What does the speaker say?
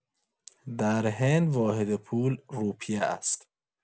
در هند واحد پول روپیه است.